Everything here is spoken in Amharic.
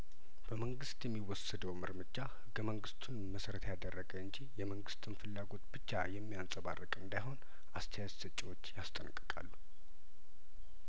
በመንግስት የሚወሰደውም እርምጃ ህገ መንግስቱን መሰረት ያደረገ እንጂ የመንግስትን ፍላጐት ብቻ የሚያንጸባርቅ እንዳይሆን አስተያየት ሰጭዎቹ ያስጠነቅቃሉ